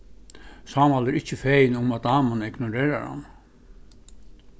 sámal er ikki fegin um at daman ignorerar hann